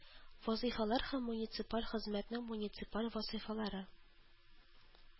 Вазыйфалар һәм муниципаль хезмәтнең муниципаль вазыйфалары